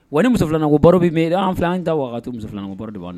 Wa ni muso filan ko baro bɛ an an ta waga muso filan baro b'